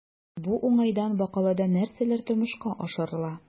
Бу уңайдан Бакалыда нәрсәләр тормышка ашырыла?